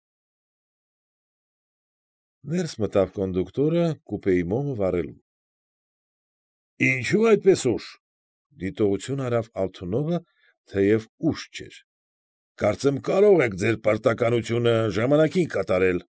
Ներս մտավ կոնդուկտորը կուպեի մոմը վառելու։ ֊ Ինչո՞ւ այդպես ուշ,֊ դիտողություն արավ Ալթունովը, թեև ուշ չէր,֊ կարծեմ կարող եք ձեր պարտականությունը ժամանակին կատարել։